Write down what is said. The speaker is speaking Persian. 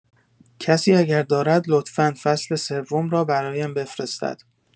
کسی اگر دارد، لطفا فصل سوم را برایم بفرستد.